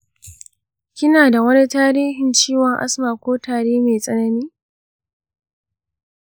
kina da wani tarihin ciwon asma ko tari mai tsanani?